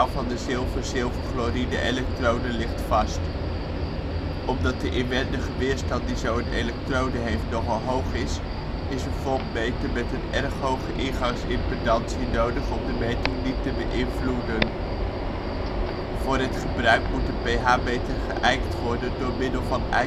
van de zilver-zilverchloride-elektrode ligt vast (referentie-elektrode) Omdat de inwendige weerstand die zo een elektrode heeft nogal hoog is, is een voltmeter met een erg hoge ingangsimpedantie nodig om de meting niet te beïnvloeden. Voor het gebruik moet de pH-meter geijkt worden door middel van ijkoplossingen